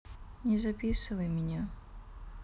не записывай меня